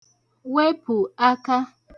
wepụ̀ aka